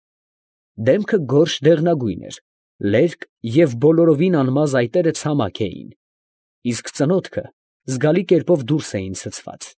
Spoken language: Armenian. Դեմքը գորշ֊դեղնագույն էր, լերկ և բոլորովին անմազ այտերը ցամաք էին, իսկ ծնոտքը զգալի կերպով դուրս էին ցցված։